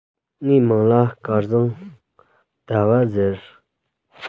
ངའི མིང ལ སྐལ བཟང ཟླ བ ཟེར